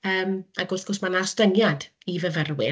yym ac wrth gwrs ma' 'na ostyngiad i fyfyrwyr